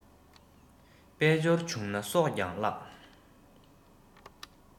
དཔལ འབྱོར བྱུང ན སྲོག ཀྱང བརླག